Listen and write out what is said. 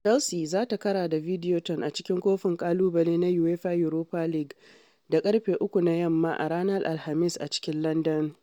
Chelsea za ta kara da Videoton a cikin kofin ƙalubale na UEFA Europa League da ƙarfe 3 na yamma a ranar Alhamis a cikin Landan.